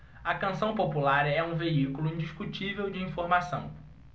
a canção popular é um veículo indiscutível de informação